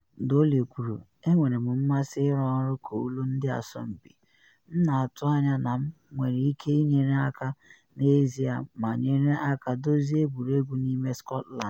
Doyle kwuru: “Enwere m mmasị ịrụ ọrụ ka olu ndị asọmpi, m na atụ anya na m nwere ike ịnyere aka n’ezie ma nyere aka duzie egwuregwu n’ime Scotland.”